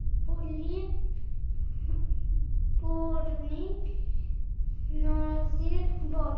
puli borning nozi bor